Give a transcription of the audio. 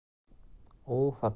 u faqat o'zigagina ma'lum